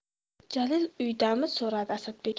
jalil uydami so'radi asadbek